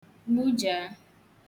gbujàa